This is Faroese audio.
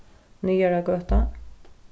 niðaragøta